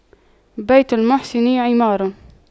بيت المحسن عمار